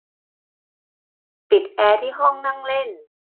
ปิดแอร์ที่ห้องนั่งเล่น